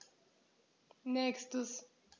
Nächstes.